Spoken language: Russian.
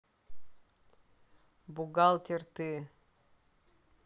бухгалтер ты